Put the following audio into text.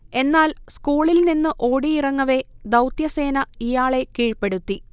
എന്നാൽ, സ്കൂളിൽനിന്ന് ഓടിയിറങ്ങവെ, ദൗത്യസേന ഇയാളെ കീഴ്പ്പെടുത്തി